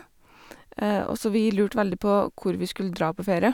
og Så vi lurte veldig på hvor vi skulle dra på ferie.